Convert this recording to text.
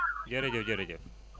jërëjëf jëëjëf